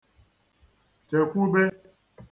chèkwube